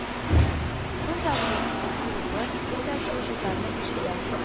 Күн заводының клубы көн дә шул җырларны ишетә